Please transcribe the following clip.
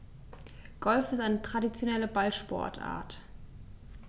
Golf ist eine traditionelle Ballsportart.